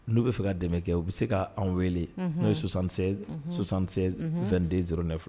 N'u bɛ fɛ ka dɛmɛ kɛ u bɛ se k' anw wele n'o yesansan fɛn den sɔrɔ ne filɛ